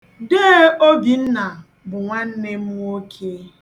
Dee Obinna bụ nwanne m nwoke.